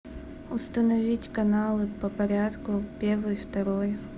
установить каналы по порядку первый второй